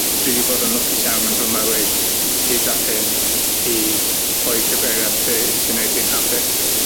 Dwi 'di bod yn lwcus iawn yn fy mywyd hyd at hyn i rhoi cyfeiriad lle sy'n neud fi'n hapus.